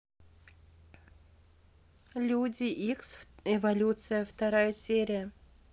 люди икс эволюция вторая серия